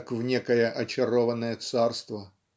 как в некое очарованное царство.